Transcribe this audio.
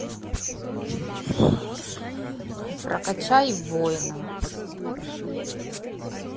прокачай воина